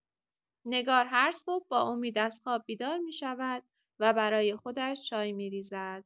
نگار هر صبح با امید از خواب بیدار می‌شود و برای خودش چای می‌ریزد.